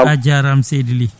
a jarama seydi Ly